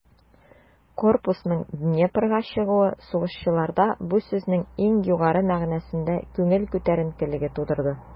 Корпусның Днепрга чыгуы сугышчыларда бу сүзнең иң югары мәгънәсендә күңел күтәренкелеге тудырды.